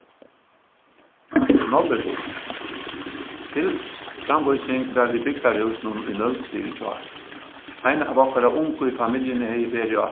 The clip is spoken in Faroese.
nóllywood filmsframvísing var í bygdarhúsinum í nólsoy í gjár ein av okkara ungu í familjuni hevði verið á